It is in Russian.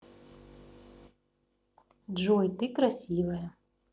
джой ты красивая